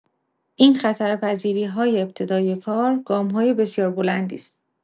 این خطرپذیری‌های ابتدای کار گام‌های بسیار بلندی است.